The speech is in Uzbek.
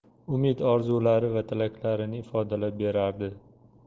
umid orzulari va tilaklarini ifodalab berardi